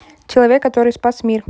человек который спас мир